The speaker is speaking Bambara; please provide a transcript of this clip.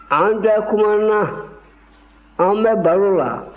an tɛ kuma na an bɛ baro la